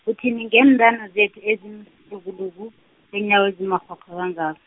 uthini ngeentamo zethu ezimlukuluku, neenyawo ezimakghwakghwa kanga-.